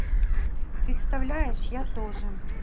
представляешь я тоже